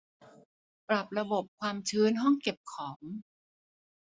ปรับระบบความชื้นห้องเก็บของ